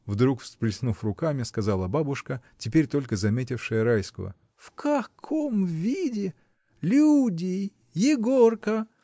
— вдруг, всплеснув руками, сказала бабушка, теперь только заметившая Райского. — В каком виде! Люди, Егорка!